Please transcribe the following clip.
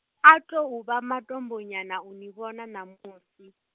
a tou vha matombo nyana uni vhona ṋamusi.